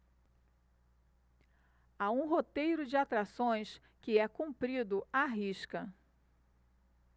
há um roteiro de atrações que é cumprido à risca